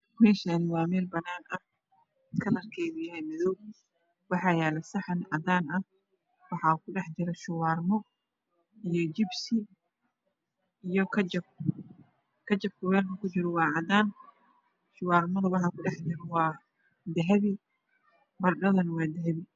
Meeshani waa meel banaan ah kalarkeedu yahay madow waxaa yaalo saxan cadaan ah waxaa ku dhexjiro shubaarmo iyo jibsi iyo kajab kajabka weelka uu kujiro waa cadaan shubaarmada waxa ku dhexjiro waa dahabi bardhadana waa dahabi